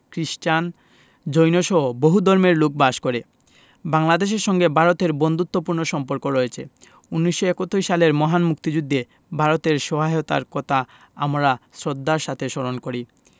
খ্রিস্টান জৈনসহ বহু ধর্মের লোক বাস করে বাংলাদেশের সঙ্গে ভারতের বন্ধুত্তপূর্ণ সম্পর্ক রয়ছে ১৯৭১ সালের মহান মুক্তিযুদ্ধে ভারতের সহায়তার কথা আমরা শ্রদ্ধার সাথে স্মরণ করি